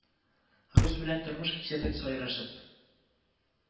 Рус белән тормыш кичердек сайрашып